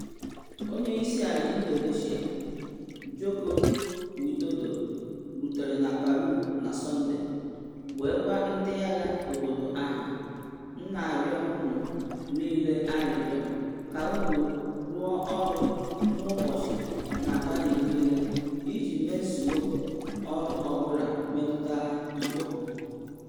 Onye isi ala Indonesia Joko Widodo rutere na Palu na Sọnde wee gwa ndị agha obodo ahụ: “M na arịọ unu niile arịọrọ ka unu rụọ ọrụ n’ụbọchị na abalị niile iji mezuo ọrụ ọ bụla metụtara mkpopu.